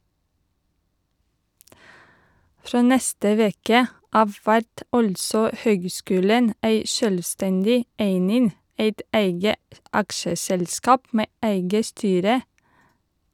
Frå neste veke av vert altså høgskulen ei sjølvstendig eining , eit eige aksjeselskap med eige styre.